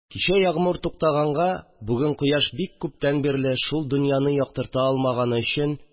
Кичә ягъмур туктаганга, бүген кояш бик күптән бирле шул дөньяны яктырта алмаганы өчен